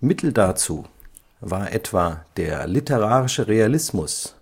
Mittel dazu war etwa der literarische Realismus,